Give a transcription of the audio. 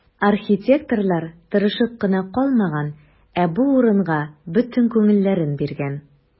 Архитекторлар тырышып кына калмаган, ә бу урынга бөтен күңелләрен биргән.